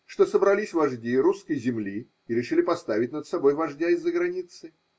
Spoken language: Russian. Что собрались вожди русской земли и решили поставить над собой вождя из-за границы.